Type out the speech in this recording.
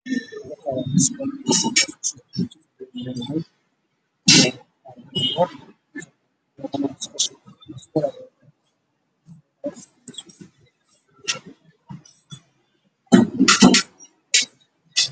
Waa musqul fadhigeedu yahay cadaan